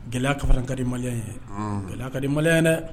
Gɛlɛya ka faran ka di Malien ye. Gɛlɛya ka di Malien ye dɛ.